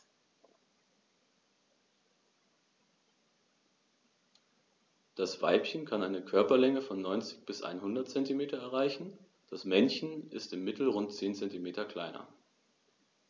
Das Weibchen kann eine Körperlänge von 90-100 cm erreichen; das Männchen ist im Mittel rund 10 cm kleiner.